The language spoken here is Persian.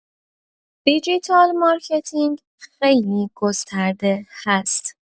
دیجیتال مارکتینگ خیلی گسترده هست.